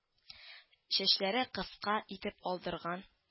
Чәчләре кыска итеп алдырган